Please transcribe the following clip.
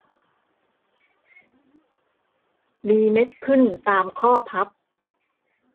มีเม็ดขึ้นตามข้อพับ